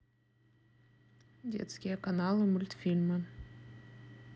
детские каналы мультфильмы